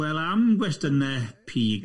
Wel, am gwestiynau pîg?